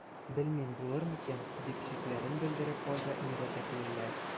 Белмим, булыр микән,– дип шикләрен белдереп калды мирәтәклеләр.